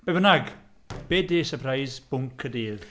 Be bynnag, beth ydy surprise spunk y dydd?